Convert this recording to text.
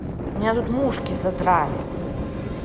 меня тут мушки задрали